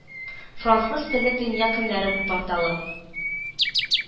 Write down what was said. Франсыз телле дөнья көннәре порталы